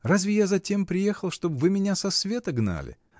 Разве я за тем приехал, чтобы вы меня со света гнали?